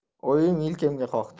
oyim yelkamga qoqdi